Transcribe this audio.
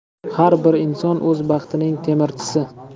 har bir inson o'z baxtining temirchisi